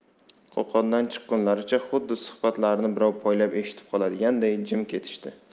qo'qondan chiqqunlaricha xuddi suhbatlarini birov poylab eshitib qoladiganday jim ketishdi